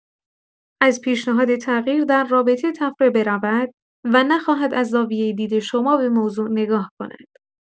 از پیشنهاد تغییر در رابطه طفره برود و نخواهد از زاویه دید شما به موضوع نگاه کند.